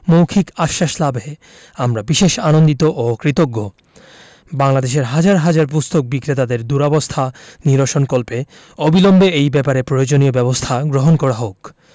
মৌখিক আশ্বাস লাভে আমরা বিশেষ আনন্দিত ও কৃতজ্ঞ বাংলাদেশের হাজার হাজার পুস্তক বিক্রেতাদের দুরবস্থা নিরসনকল্পে অবিলম্বে এই ব্যাপারে প্রয়োজনীয় ব্যাবস্থা গ্রহণ করা হোক